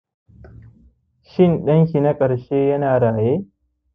shin ɗanki na karshe yana raye